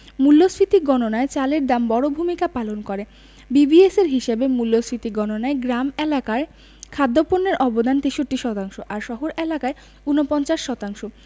মূল্যস্ফীতি গণনায় চালের দাম বড় ভূমিকা পালন করে বিবিএসের হিসাবে মূল্যস্ফীতি গণনায় গ্রাম এলাকার খাদ্যপণ্যের অবদান ৬৩ শতাংশ আর শহর এলাকায় ৪৯ শতাংশ